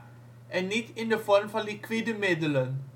en niet in de vorm van liquide middelen